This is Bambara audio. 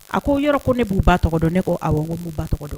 A ko yɔrɔ ko ne b'u ba tɔgɔ dɔn ne ko aw n b'u ba tɔgɔ dɔn